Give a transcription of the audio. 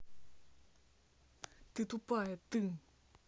ты тупая ты